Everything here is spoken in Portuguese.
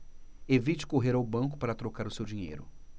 evite correr ao banco para trocar o seu dinheiro